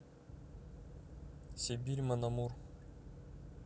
сибирь монамур